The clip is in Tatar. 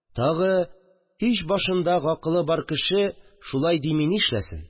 Тагы, һич башында гақылы бар кеше шулай дими нишләсен